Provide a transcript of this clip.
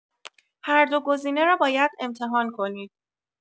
هر دو گزینه را باید امتحان کنید.